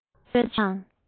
མཛེས བཀོད བྱོས དང